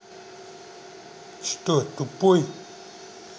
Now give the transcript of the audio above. что тупой